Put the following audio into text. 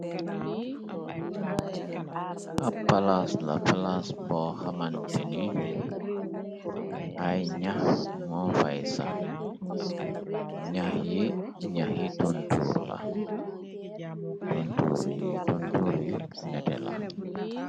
Appalaas la, flas boo xamante ni ay ñax mo fay sa, ñax yi ñaxi tuntuur la, tuntuur yu nete la.